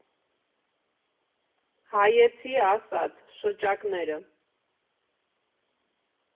Հայեցի ասած՝ շչակները։